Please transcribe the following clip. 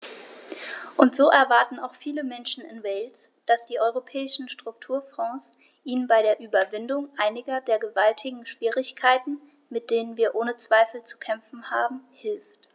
Und so erwarten auch viele Menschen in Wales, dass die Europäischen Strukturfonds ihnen bei der Überwindung einiger der gewaltigen Schwierigkeiten, mit denen wir ohne Zweifel zu kämpfen haben, hilft.